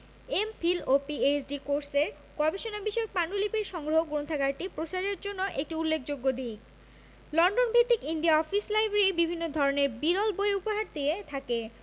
MPhil ও PhD কোর্সের গবেষণা বিষয়ক পান্ডুলিপির সংগ্রহ গ্রন্থাগারটি প্রসারের একটি উল্লেখযোগ্য দিক লন্ডন ভিত্তিক ইন্ডিয়া অফিস লাইব্রেরি বিভিন্ন ধরনের বিরল বই উপহার দিয়ে থাকে